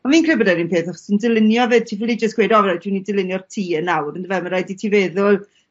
A fi'n credu bod e'r un peth os ti'n dylunio 'fyd ti ffili jyst gweud o reit dwi myn' i dylunio'r tŷ 'yn nawr on'd yfe, ma' raid i ti feddwl